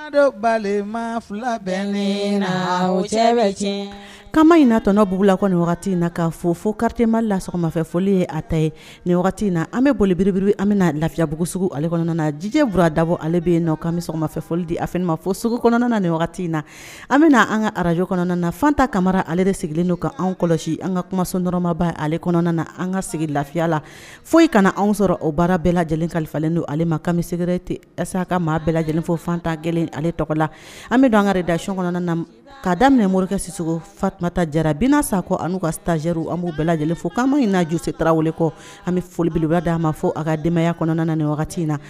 Fila kama in na tɔɔnɔ bla ko nin in na ka fɔ fo karitɛma la sɔgɔma fɛ fɔ ye a ta ye nin in na an bɛ bolibribri an bɛna na lafiyabugu suguugu kɔnɔna na jijɛ bura a dabɔ ale bɛ yen na kami sɔgɔmafɛ fɔoli di af ma fɔ sogo kɔnɔna na nin wagati in na an bɛna n na an ka arajo kɔnɔna nafanta kamara ale de sigilen don ka anw kɔlɔsi an ka kumasɔn dɔrɔnɔrɔmaba ale kɔnɔna na an ka sigi lafiya la foyi kana anw sɔrɔ aw baara bɛɛ lajɛlen kalifalen don ale ma kamisɛgɛrɛre tɛse a ka maa bɛɛ lajɛlenfɔfantan gɛlɛn ale tɔgɔ la an bɛ don an ka dayɔn kɔnɔna na ka daminɛ morikɛ siso fatumata jara bi sakɔ ani n ka taari an' bɛɛ lajɛlen fo' in'a jusi tarawele kɔ an bɛ foliolibeleya d aa ma fɔ a kadenbayaya kɔnɔna na ni wagati in na